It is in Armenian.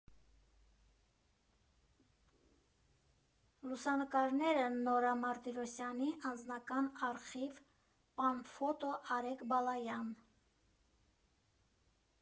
Լուսանկարները՝ Նորա Մարտիրոսյանի անձնական արխիվ, ՊանՖոտո Արեգ Բալայան։